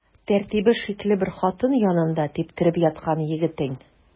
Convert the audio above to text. Тәртибе шикле бер хатын янында типтереп яткан егетең.